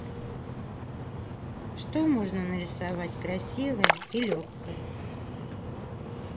что можно нарисовать красивое и легкое